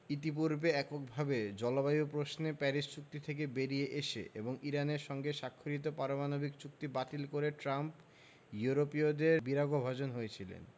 ইতিপূর্বে এককভাবে জলবায়ু প্রশ্নে প্যারিস চুক্তি থেকে বেরিয়ে এসে এবং ইরানের সঙ্গে স্বাক্ষরিত পারমাণবিক চুক্তি বাতিল করে ট্রাম্প ইউরোপীয়দের বিরাগভাজন হয়েছিলেন